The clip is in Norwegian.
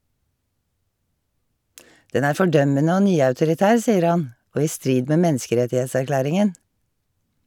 Den er fordømmende og nyautoritær, sier han, og i strid med menneskerettighetserklæringen.